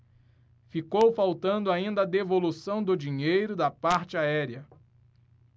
ficou faltando ainda a devolução do dinheiro da parte aérea